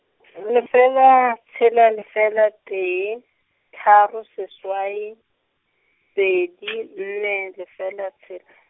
lefela, tshela lefela tee, tharo, seswai, pedi , nne, lefela tshela.